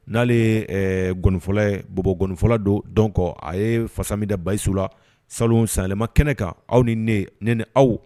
N'ale ye gɔnifɔ bɔfɔ don dɔn kɔ a ye fasa mi da basiyiso la sa saɛlɛma kɛnɛ kan aw ni ne ni aw